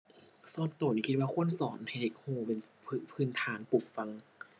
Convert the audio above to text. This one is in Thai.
ส่วนตัวนี่คิดว่าควรสอนให้เด็กตัวเป็น พื้น พื้นฐานปลูกฝัง